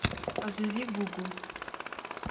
позови google